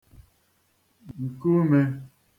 ǹkùumē